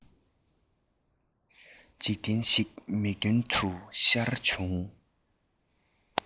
འཇིག རྟེན ཞིག མིག མདུན དུ ཤར བྱུང